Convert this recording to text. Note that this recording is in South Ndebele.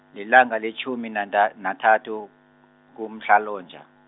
lilanga letjhumi nantha- nathathu, kuMhlolanja.